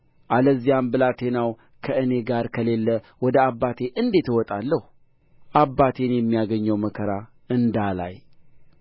አለዚያም ብላቴናው ከእኔ ጋር ከሌለ ወደ አባቴ እንዴት እወጣለሁ አባቴን የሚያገኘውን መከራ እንዳላይ